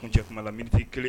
Kun cɛkuma la miniti kelen